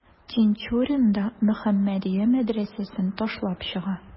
Тинчурин да «Мөхәммәдия» мәдрәсәсен ташлап чыга.